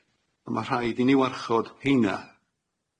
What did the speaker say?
A ma' rhaid i ni warchod heina.